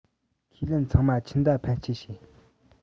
ཁས ལེན ཚང མ ཆུ མདའ འཕེན སྤྱད བྱས